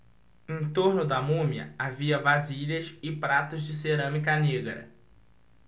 em torno da múmia havia vasilhas e pratos de cerâmica negra